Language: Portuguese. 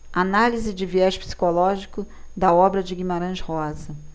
análise de viés psicológico da obra de guimarães rosa